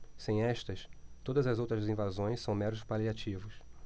sem estas todas as outras invasões são meros paliativos